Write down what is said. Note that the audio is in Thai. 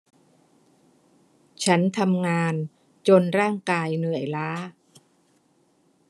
ฉันทำงานจนร่างกายเหนื่อยล้า